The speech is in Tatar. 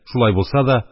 Шулай булса да,